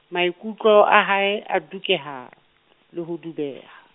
maikutlo, a hae, a dukeha, le ho dubeha.